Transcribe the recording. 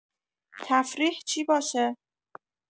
تفریح چی باشه